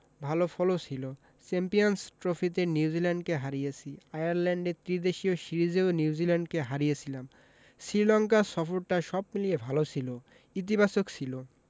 ভালো ফলও ছিল চ্যাম্পিয়নস ট্রফিতে নিউজিল্যান্ডকে হারিয়েছি আয়ারল্যান্ডে ত্রিদেশীয় সিরিজেও নিউজিল্যান্ডকে হারিয়েছিলাম শ্রীলঙ্কা সফরটা সব মিলিয়ে ভালো ছিল ইতিবাচক ছিল